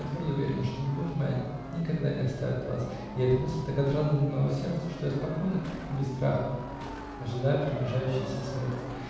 но я твердо уверена, что любовь моя никогда не оставит вас, и эта мысль так отрадна для моего сердца, что я спокойно и без страха ожидаю приближающейся смерти.